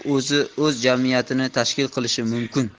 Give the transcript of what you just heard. u o'zi o'z jamiyatini tashkil qilishi mumkin